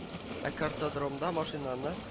Ә картодромда машинаны